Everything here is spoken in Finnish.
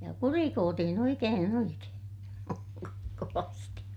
ja kurikoitiin oikein oikein kovasti